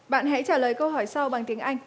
bạn hãy trả lời câu hỏi sau bằng tiếng anh